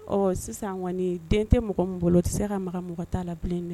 Ɔ sisan kɔniɔni den tɛ mɔgɔ min tɛ se ka mɔgɔ mɔgɔ t'a la bilen dɛ